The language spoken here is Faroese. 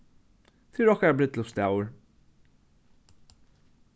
tað er okkara brúdleypsdagur